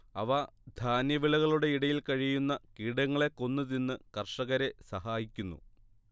അവ ധാന്യവിളകളുടെ ഇടയിൽ കഴിയുന്ന കീടങ്ങളെ കൊന്ന് തിന്ന് കർഷകരെ സഹായിക്കുന്നു